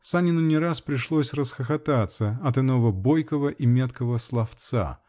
Санину не раз пришлось расхохотаться от иного бойкого и меткого словца.